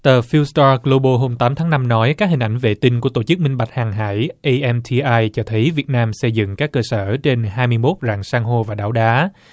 tờ phiu ta gờ lâu bồ hôm tám tháng năm nói các hình ảnh vệ tinh của tổ chức minh bạch hàng hải ây em ti ai cho thấy việt nam xây dựng các cơ sở trên hai mươi mốt rạn san hô và đảo đá